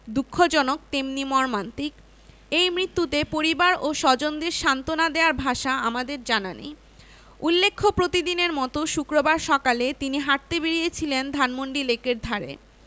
দুঃখজনক তেমনি মর্মান্তিক এই মৃত্যুতে পরিবার ও স্বজনদের সান্তনা দেয়ার ভাষা আমাদের জানা নেই উল্লেখ্য প্রতিদিনের মতো শুক্রবার সকালে তিনি হাঁটতে বেরিয়েছিলেন ধানমন্ডি লেকের ধারে